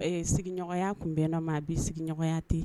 Ee sigiɲɔgɔnya tun bɛ n nɔma a bɛ sigiɲɔgɔnya ten